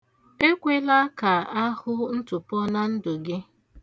Ekwela ka a hụ ntụpọ na ndụ gị.